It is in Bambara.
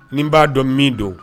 Nin m' b'a dɔn min don.